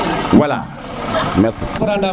voila merci